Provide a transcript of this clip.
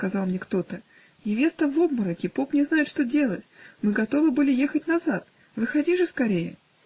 -- сказал мне кто-то, -- невеста в обмороке поп не знает, что делать мы готовы были ехать назад. Выходи же скорее".